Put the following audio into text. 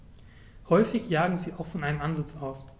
Häufig jagen sie auch von einem Ansitz aus.